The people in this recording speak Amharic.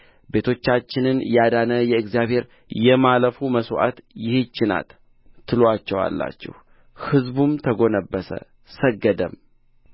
ቤቶቻችንን ያዳነ የእግዚአብሔር የማለፉ መሥዋዕት ይህች ናት ትሉአቸዋላችሁ ሕዝቡም ተጎነበሰ ሰገደም